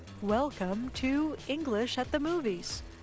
geo căm tu inh lích xát tơ mu vi